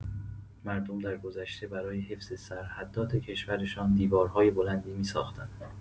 مردم درگذشته برای حفظ سرحدات کشورشان دیوارهای بلندی می‌ساختند.